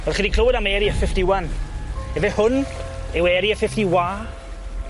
Wel chi 'di clywed am Area Fifty One? Ife hwn yw Area Fifty Waa?